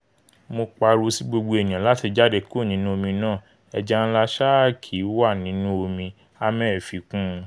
'Mo pariwo sí gbogbo eniyan láti jáde kúrò nínú omi náà: 'Ẹja ńlá sáàki wà nínú omi!'' Hammel fi kún un.